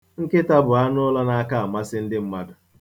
Nkịta bụ anụụlọ na-aka amasị ndị mmadụ.